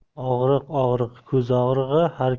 og'riq og'riq ko'z og'rig'i har